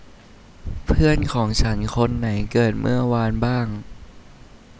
เพื่อนของฉันคนไหนเกิดเมื่อวานบ้าง